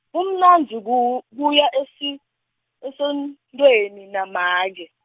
kumnandzi ku-, kuya esi-, esontfweni namake.